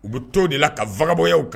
U bɛ to de la ka baganbɔya kan